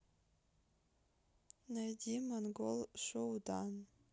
найди монгол шуудан